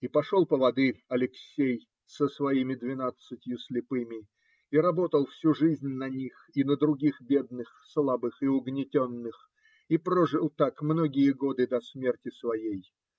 И пошел поводырь Алексей со своими двенадцатью слепыми, и работал всю жизнь на них и на других бедных, слабых и угнетенных, и прожил так многие годы до смерти своей.